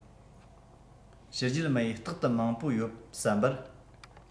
ཕྱི རྒྱལ མི ཡིས རྟག ཏུ མང པོ ཡོད བསམ པར